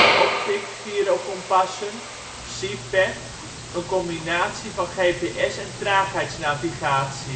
optic gyrokompassen Seapath, een combinatie van GPS en traagheidsnavigatie